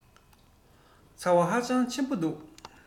ཚ བ ཧ ཅང ཆེན པོ འདུག